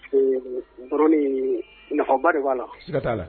Bɔra nafaba de b'a la